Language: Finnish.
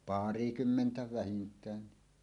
parikymmentä vähintään